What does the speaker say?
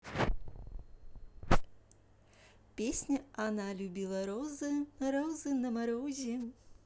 песня она любила розы розы на морозе